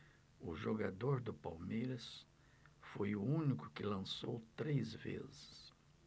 o jogador do palmeiras foi o único que lançou três vezes